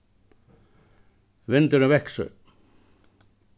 vindurin veksur